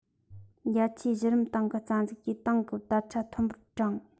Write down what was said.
རྒྱ ཆེའི གཞི རིམ ཏང གི རྩ འཛུགས ཀྱིས ཏང གི དར ཆ མཐོན པོར བསྒྲེངས